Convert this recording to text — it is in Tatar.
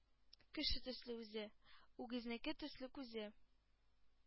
Кеше төсле үзе, үгезнеке төсле күзе,